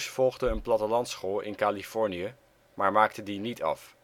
volgde een plattelandsschool in Californië maar maakte die niet af